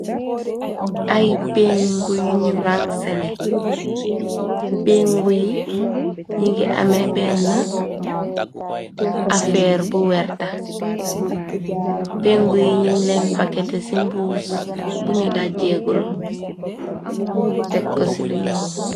Ay péngu yi ñu rang sele péngu yi ñi ngi amé benn afeer bu werta pengu yi ñi leen paketé ci mbuus buñu daj jeegul tek ko ci lu ñyuul.